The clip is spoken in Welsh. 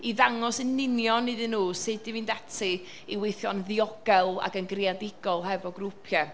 i ddangos yn union iddyn nhw sut i fynd ati i weithio'n ddiogel ac yn greadigol hefo grŵpiau.